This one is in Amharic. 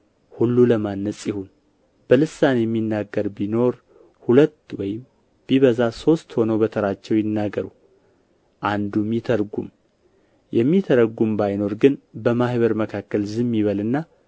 ሁሉ ለማነጽ ይሁን በልሳን የሚናገር ቢኖር ሁለት ወይም ቢበዛ ሦስት ሆነው በተራቸው ይናገሩ አንዱም ይተርጉም የሚተረጉም ባይኖር ግን በማኅበር መካከል ዝም ይበልና